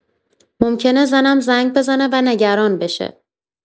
ممکنه زنم زنگ بزنه و نگران بشه.